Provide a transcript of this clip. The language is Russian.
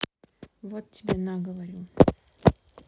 вот тебе на говорю